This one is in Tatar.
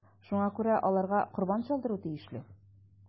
Шуңа күрә аларга корбан чалдыру тиешле.